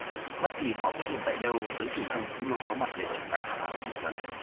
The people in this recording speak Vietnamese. bất kỳ họ xuất hiện tại đâu giới truyền thông cũng luôn có mặt để chụp ảnh và phỏng vấn